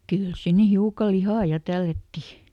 kyllä sinne hiukan lihaa ja tällättiin